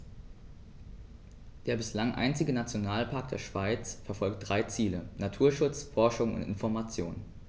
Der bislang einzige Nationalpark der Schweiz verfolgt drei Ziele: Naturschutz, Forschung und Information.